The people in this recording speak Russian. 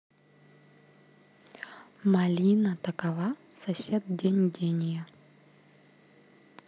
malina такова сосед день гения